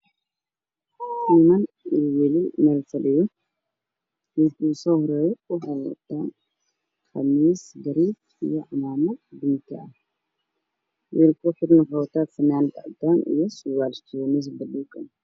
Niman iyo wiilal meel fadhiyaan ninka u soo horreeyo wuxuu wataa khamiis cadaana cimaamad baluug ah iyo covid-caddaan ah waxaana ka dambeeya nin kale